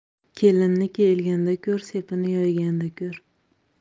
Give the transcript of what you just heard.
kelinni kelganda ko'r sepini yoyganda kor